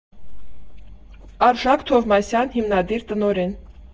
Արշակ Թովմասյան Հիմնադիր տնօրեն։